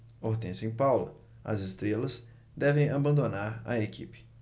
hortência e paula as estrelas devem abandonar a equipe